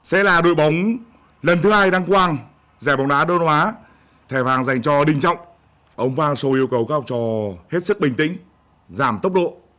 sẽ là đội bóng lần thứ hai đăng quang giải bóng đá đông nam á thẻ vàng dành cho đình trọng ông bác hang sô yêu cầu các học trò hết sức bình tĩnh giảm tốc độ